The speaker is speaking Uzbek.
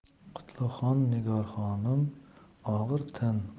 qutlug' nigor xonim og'ir tin